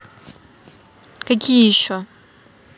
какие еще